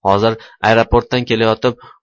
hozir aeroportdan kelayotib